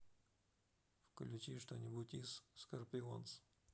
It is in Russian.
включи что нибудь из скорпионс